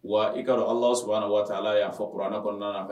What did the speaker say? Wa i k'a don allahu subahanahu wa taala y'a fɔ kuranɛ kɔnɔna